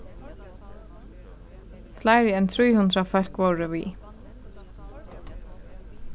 fleiri enn trý hundrað fólk vóru við